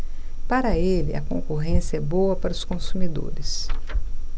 para ele a concorrência é boa para os consumidores